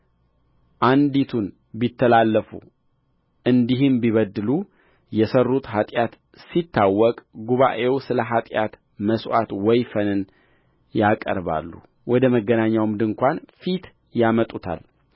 አንዲቱን ቢተላለፉእንዲህም ቢበድሉ የሠሩት ኃጢአት ሲታወቅ ጉባኤው ስለ ኃጢአት መሥዋዕት ወይፈንን ያቀርባሉ ወደ መገናኛውም ድንኳን ፊት ያመጡታል